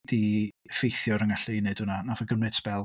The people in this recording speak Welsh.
'Di effeithio ar fy ngallu i wneud hwnna. Wnaeth o gymryd sbel.